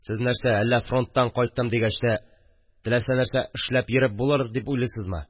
Сез нәрсә, әллә фронттан кайттым дигәч тә, теләсә нәрсә эшләп йөреп булыр дип уйлыйсызмы